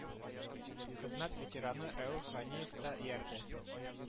Хезмәт ветераны рәүф ганиев та иярде